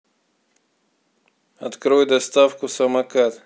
открой доставку самокат